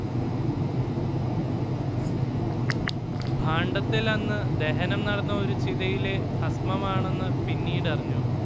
ഭാണ്ഡത്തിൽ അന്നു ദഹനം നടന്ന ഒരു ചിതയിലെ ഭസ്മമാണെന്ന് പിന്നീടറിഞ്ഞു